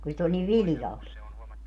kun sitä oli niin viljalti